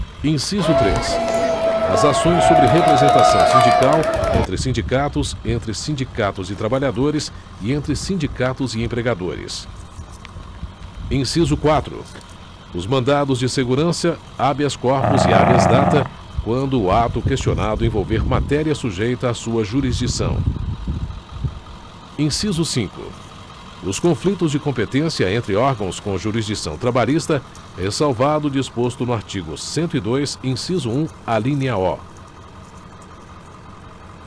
inciso três as ações sobre representação sindical entre sindicatos entre sindicatos e trabalhadores e entre sindicatos e empregadores inciso quatro os mandados de segurança habeas corpus e habeas data quando o ato questionado envolver matéria sujeita à sua jurisdição inciso cinco os conflitos de competência entre órgãos com jurisdição trabalhista ressalvado o disposto no artigo cento e dois inciso um alínea o